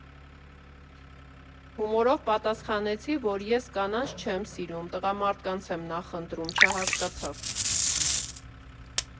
Հումորով պատասխանեցի, որ ես կանանց չեմ սիրում, տղամարդկանց եմ նախընտրում, չհասկացավ։